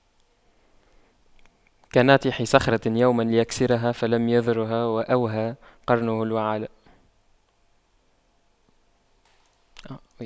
كناطح صخرة يوما ليكسرها فلم يضرها وأوهى قرنه الوعل